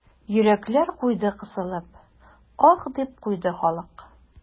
Йөрәкләр куйды кысылып, аһ, дип куйды халык.